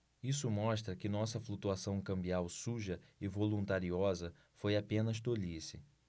isso mostra que nossa flutuação cambial suja e voluntariosa foi apenas tolice